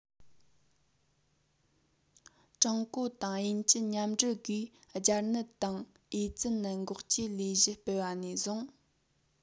ཀྲུང གོ དང དབྱིན ཇི མཉམ འབྲེལ སྒོས སྦྱར ནད དང ཨེ ཙི ནད འགོག བཅོས ལས གཞི སྤེལ བ ནས བཟུང